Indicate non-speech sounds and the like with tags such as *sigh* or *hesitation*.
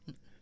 *hesitation*